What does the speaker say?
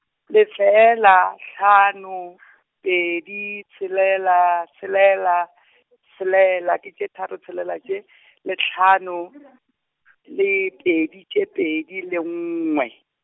lefela, hlano , pedi, tshelela, tshelela , tshelela ke tše tharo tshelela tše , le hlano, le pedi tše pedi le nngwe.